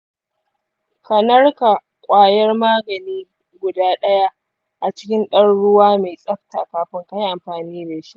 ka narka ƙwayar magani guda ɗaya a cikin ɗan ruwa mai tsafta kafin ka yi amfani da shi.